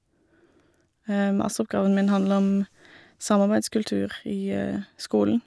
Masteroppgaven min handler om samarbeidskultur i skolen.